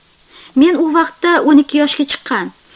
men u vaqtda o'n ikki yoshga chiqqan